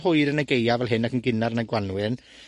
hwyr yn y Gaea fel hyn, ac yn gynnar yn y Gwanwyn,